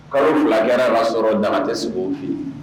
Kalo filakɛ y' sɔrɔ da tɛ segu fɛ